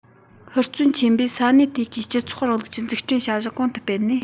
ཧུར བརྩོན ཆེན པོས ས གནས དེ གའི སྤྱི ཚོགས རིང ལུགས ཀྱི འཛུགས སྐྲུན བྱ བཞག གོང དུ སྤེལ ནས